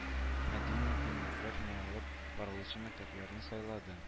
Матди мөмкинлекләр ниалып барылучы мәктәпләрне сайлады